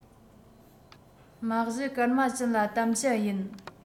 མ གཞི སྐར མ བཅུ ལ གཏམ བཤད ཡིན